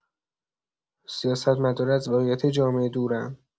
سیاستمدارا از واقعیت جامعه دورن.